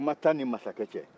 kuma t'a ni masakɛ cɛ